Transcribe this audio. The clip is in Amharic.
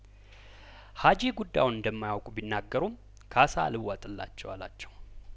ሀጂ ጉዳዩን እንደማያውቁ ቢናገሩም ካሳ አልዋጥላቸው አላቸው